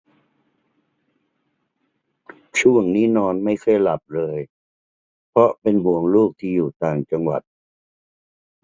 ช่วงนี้นอนไม่ค่อยหลับเลยเพราะเป็นห่วงลูกที่อยู่ต่างจังหวัด